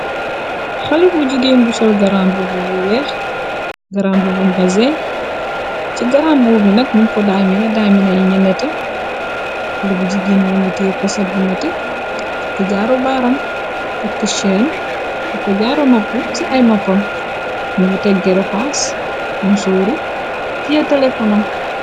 xali bu jigéen bu sol garam b bu bu weex garamb bu mbaze ci garambu bi nag ni ko daamina daamina yi ñe nete xali bu jigéen bu ngi tée poset bu nete takk jaaro baaram takk sheen te ko jaaro nopp ci ay noppam mu ngi teggee refaas mu sooru tiya telefonam